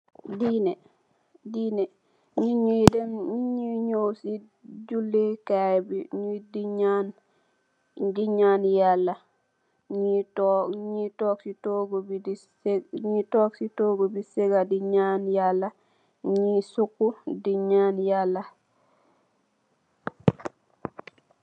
Dineh dineh nyoi nyow si juleh kai bi di nyan di nyan Yallah nyu gi tog si togu bi sega di nyan Yallah nyi suku di nyan Yallah.